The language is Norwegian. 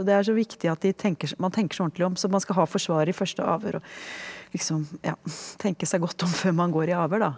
og det er så viktig at de tenker seg man tenker seg ordentlig om så man skal ha forsvarer i første avhør og liksom ja tenke seg godt om før man går i avhør da.